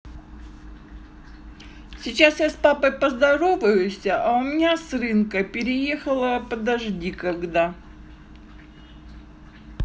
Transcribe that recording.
сейчас я с папой поздороваюсь у меня с рынка переехала подожди когда